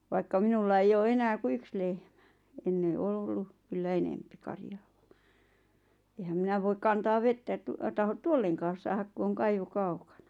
vaikka minulla ei ole enää kuin yksi lehmä ennen oli ollut kyllä enempi karjaa vain enhän minä voi kantaa vettä että tahdo tuollekaan saada kun on kaivo kaukana